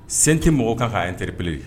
Sen tɛ mɔgɔw kan ka'a n teriele